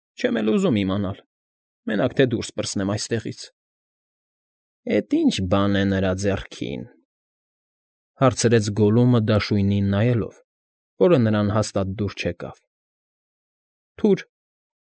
Չեմ էլ ուզում իմանալ, մենակ թե դուրս պրծնեմ այստեղից։ ֊ Էդ ի՞նչ բ֊բ֊բ֊ան է նրա ձեռիքն,֊ հարցրեց Գոլլումը դաշույնին նայելով, որը նրան հաստատ դուր չեկավ։ ֊ Թուր,